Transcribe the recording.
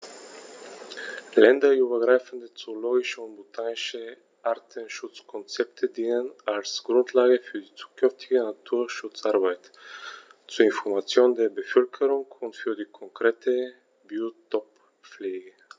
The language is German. Länderübergreifende zoologische und botanische Artenschutzkonzepte dienen als Grundlage für die zukünftige Naturschutzarbeit, zur Information der Bevölkerung und für die konkrete Biotoppflege.